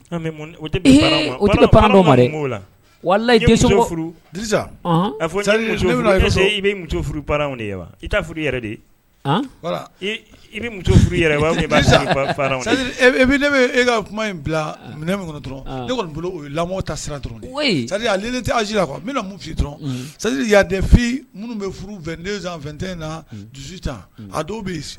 I bɛ muso furu de ye wa i furu yɛrɛ de i bɛ furu ka kuma in bila min dɔrɔn e kɔni lamɔ ta siran dɔrɔn tɛ bɛna mun dɔrɔn minnu bɛ furudent in na dusu ta a bi